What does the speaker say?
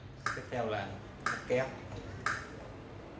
kế tiếp là móc kép